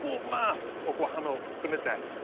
bob math o gwahanol gynyde